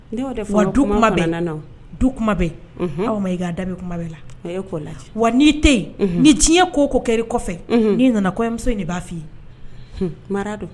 Denw tɛ fɔ, du kuma bɛ kuma ganana. Du kuma bɛ yen. Unhun! Awa Mayiga, a da bɛ kuma bɛ la. E ko lajɛ. Wa n'i tɛ yen,. Unhun, ni diɲɛ ko ko kɛri kɔfɛ,. Unhun! Ni nana kɔɲɔmuso in de b'a fɔ i ye. Hun mara do.